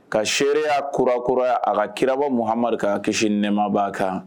Ka se y'a kura kura ye a ka kiraba muhamadu ka kisi nɛmabaa kan